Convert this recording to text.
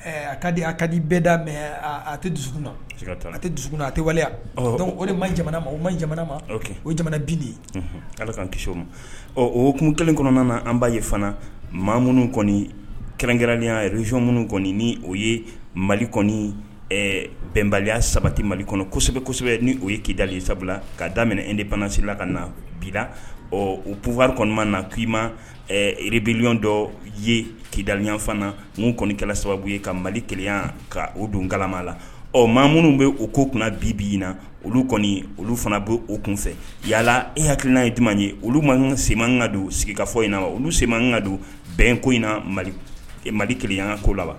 A ka di a kadi bɛɛ daminɛ mɛ a tɛ dusu a tɛ dusu kɔnɔ a tɛ wale o de ma jamana ma o ma jamana ma o jamana bin de ala'an kisi o ma o kun kelen kɔnɔna na an ba ye fana maa minnu kɔni kɛrɛnkɛrɛnliyazyon minnu kɔni ni o ye mali kɔni bɛnbaliya sabati mali kɔnɔ kosɛbɛsɛbɛ ni o ye ki sabu kaa daminɛ daminɛ e de bansila ka na bi ɔ u pwari kɔnɔnaman na k' i ma rebl dɔ ye kidaya fana n kɔnikɛla sababu ye ka mali kelenya ka o don kalama la ɔ maa minnu bɛ o ko kunna bi bi in na olu kɔni olu fana bɔ o kun fɛ yalala e hakiliki n'a ye di ye olu ma seman ka don sigikafɔ in na ma olu se kan ka don bɛnko in na mali mali kelenya ko la wa